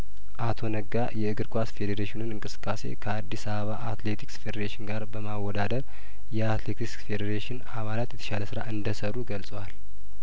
አቶ ነጋ የእግር ኳስ ፌዴሬሽኑን እንቅስቃሴ ከአዲስ አበባ አትሌቲክስ ፌዴሬሽን ጋር በማወዳደር የአትሌቲክስ ፌዴሬሽን አባላት የተሻለ ስራ እንደሰሩ ገልጸዋል